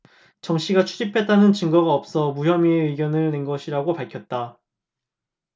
정씨가 출입했다는 증거가 없어 무혐의 의견을 낸 것이라고 밝혔다